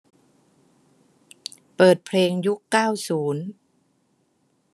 เปิดเพลงยุคเก้าศูนย์